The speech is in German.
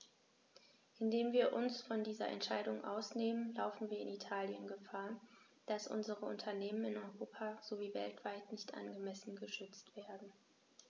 Indem wir uns von dieser Entscheidung ausnehmen, laufen wir in Italien Gefahr, dass unsere Unternehmen in Europa sowie weltweit nicht angemessen geschützt werden.